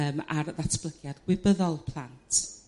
yrm ar ddatblygiad gwybyddol plant.